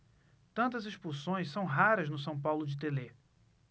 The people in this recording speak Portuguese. tantas expulsões são raras no são paulo de telê